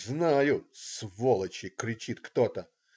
Знаю, сволочи!" - кричит кто-то.